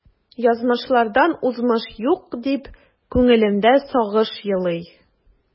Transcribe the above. Язмышлардан узмыш юк, дип күңелемдә сагыш елый.